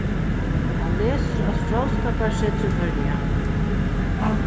hann lesur á fróðskaparsetri føroya